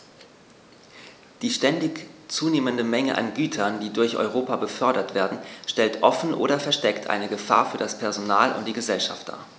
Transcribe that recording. Die ständig zunehmende Menge an Gütern, die durch Europa befördert werden, stellt offen oder versteckt eine Gefahr für das Personal und die Gesellschaft dar.